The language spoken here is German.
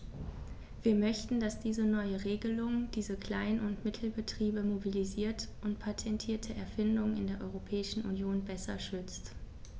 Wir möchten, dass diese neue Regelung diese Klein- und Mittelbetriebe mobilisiert und patentierte Erfindungen in der Europäischen Union besser schützt.